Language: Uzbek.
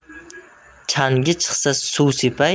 changi chiqsa suv sepay